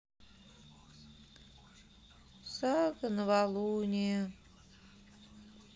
сага новолуние